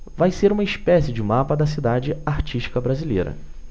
vai ser uma espécie de mapa da cidade artística brasileira